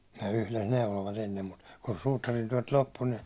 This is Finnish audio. ne yhdessä neuloivat ennen mutta kun suutarintyöt loppui niin